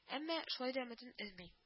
Мма шулай да өметен өзми. д